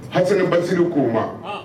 Hali baasisiri k'u ma